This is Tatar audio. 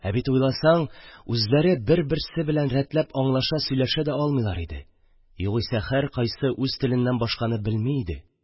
Ә бит, уйласаң, үзләре бер-берсе белән рәтләп аңлаша-сөйләшә дә алмыйлар иде югыйсә, һәркайсы үз теленнән башканы белми иде.